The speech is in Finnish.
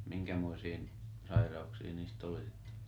minkämoisiin sairauksiin niistä oli sitten